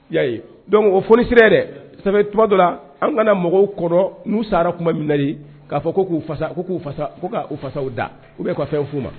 Y o fonisi dɛ sabu tu dɔ la an kana mɔgɔw kɔrɔ n'u sara tuma min k'a fɔ ko k'u fa k'u fasa k' fasaw da u bɛ'a fɛn f'u ma